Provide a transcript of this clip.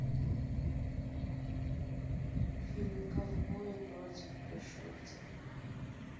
фильм ковбои против пришельцев